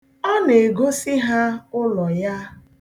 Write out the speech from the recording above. Ọ na-egosi ha ụlọ ya.